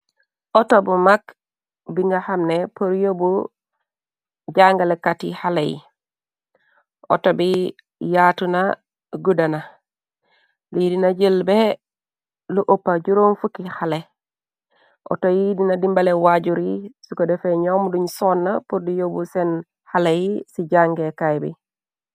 Oto bu mag bi nga xamne për yóbbu jàngalekat yi xale yi outo bi yaatu na guddana lii dina jël be lu uppa juróom fukki xale auto yi dina dimbale waajur yi ci ko defee ñoom duñ soonna për du yóbbu seen xale yi ci jàngeekaay bi.